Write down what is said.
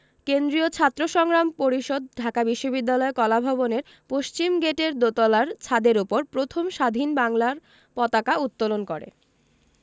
কেন্দ্রীয় ছাত্র সংগ্রাম পরিষদ ঢাকা বিশ্ববিদ্যালয় কলাভবনের পশ্চিমগেটের দোতলার ছাদের উপর প্রথম স্বাধীন বাংলার পতাকা উত্তোলন করে